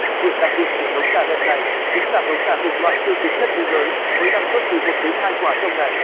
điểm đặc biệt của giống gà đẹp này chính là giống gà thuộc loại siêu trứng nhất thế giới với năng suất từ quả trong ngày